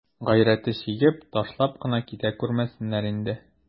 Гайрәте чигеп, ташлап кына китә күрмәсеннәр инде.